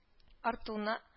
Артуына